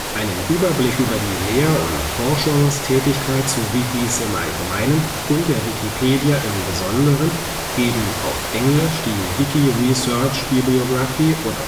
Einen Überblick über die Lehr - und Forschungstätigkeit zu Wikis im Allgemeinen und der Wikipedia im Besonderen geben englisch die Wiki Research Bibliography und